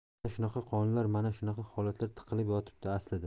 mana shunaqa qonunlar mana shunaqa holatlar tiqilib yotibdi aslida